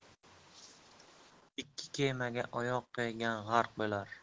ikki kemaga oyoq qo'ygan g'arq bo'lar